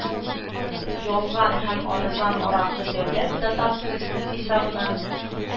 Ялган һәм арзан аракы дәүләт дотациясе хисабына